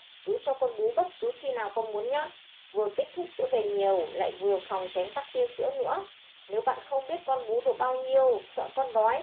cứ cho con bú bất cứ khi nào con muốn nhé vừa kích thích sữa về nhiều lại vừa phòng tránh tắc tia sữa nữa nếu bạn không biết con bú được bao nhiêu sợ con đói